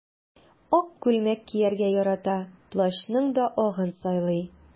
Ак күлмәк кияргә ярата, плащның да агын сайлый.